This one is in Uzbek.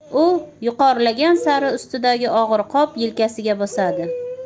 u yuqorilagan sari ustidagi og'ir qop yelkasiga bosadi